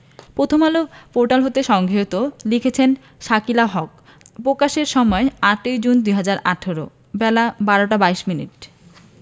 Prothom Alo portal হতে সংগৃহীত লিখেছেন শাকিলা হক প্রকাশের সময় ৮জুন ২০১৮ বেলা ১২টা ২২মিনিট